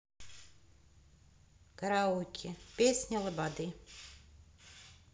караоке песня лободы